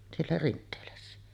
siellä Rinteelässä